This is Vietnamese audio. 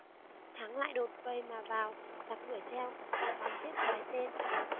thắng lại đột vây mà vào giặc đuổi theo ông bắn chết vài tên